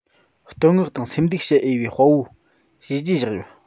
བསྟོད བསྔགས དང སེམས སྡུག བྱེད འོས པའི དཔའ བོའི བྱས རྗེས བཞག ཡོད